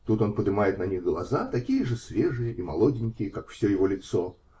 Тут он подымает на них глаза, такие же свежие и молоденькие, как все его лицо.